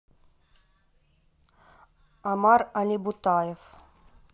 омар алибутаев